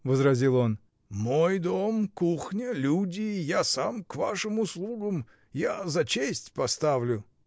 — возразил он, — мой дом, кухня, люди, я сам — к вашим услугам, — я за честь поставлю.